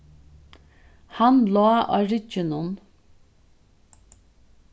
hann lá á rygginum